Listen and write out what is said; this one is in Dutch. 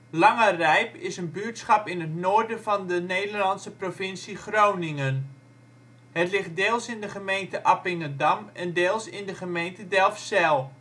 Langerijp is een buurtschap in het noorden van de Nederlandse provincie Groningen. Het ligt deels in de gemeente Appingedam en deels in de gemeente Delfzijl